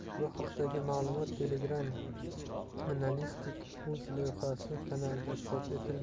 bu haqdagi ma'lumot telegram analytics uz loyihasi kanalida chop etildi